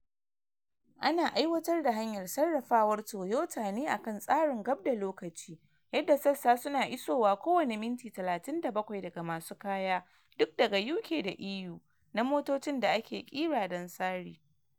Ana aiwatar da hanyar sarrafawar Toyota na akan tsarin “gab-da-lokaci”, yadda sassa su na isowa ko wani minti 37 daga masu kaya duk daga UK da EU na motocin da ake kira dan sari.